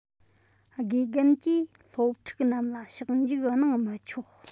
དགེ རྒན གྱིས སློབ ཕྲུག རྣམས ལ ཕྱག འཇུག གནང མི ཆོག